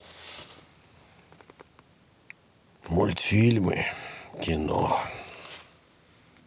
мультфильмы кино